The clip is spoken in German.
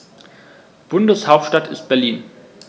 Bundeshauptstadt ist Berlin.